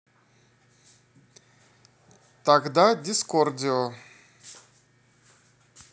тогда дискордио